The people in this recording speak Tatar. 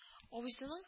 Абысының